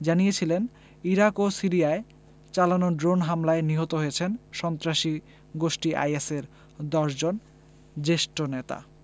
জানিয়েছিলেন ইরাক ও সিরিয়ায় চালানো ড্রোন হামলায় নিহত হয়েছেন সন্ত্রাসী গোষ্ঠী আইএসের ১০ জন জ্যেষ্ঠ নেতা